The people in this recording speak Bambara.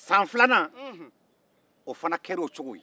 san filanan o fana kɛra o cogo ye